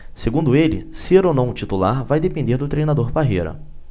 segundo ele ser ou não titular vai depender do treinador parreira